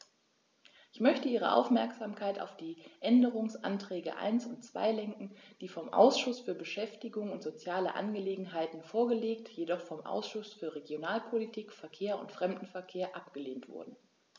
Ich möchte Ihre Aufmerksamkeit auf die Änderungsanträge 1 und 2 lenken, die vom Ausschuss für Beschäftigung und soziale Angelegenheiten vorgelegt, jedoch vom Ausschuss für Regionalpolitik, Verkehr und Fremdenverkehr abgelehnt wurden.